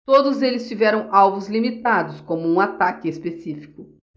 todos eles tiveram alvos limitados como um tanque específico